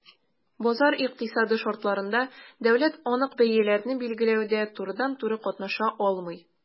Базар икътисады шартларында дәүләт анык бәяләрне билгеләүдә турыдан-туры катнаша алмый.